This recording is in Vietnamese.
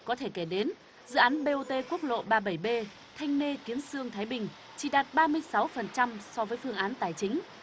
có thể kể đến dự án bê ô tê quốc lộ ba bảy bê thanh nê kiến xương thái bình chỉ đạt ba mươi sáu phần trăm so với phương án tài chính